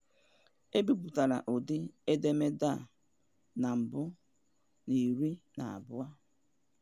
Ebipụtara ụdị ederede a na mbụ na r12n.